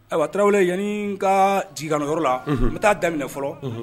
Ayiwa a tarawele yanani ka jikanyɔrɔ la n bɛ taa daminɛ fɔlɔ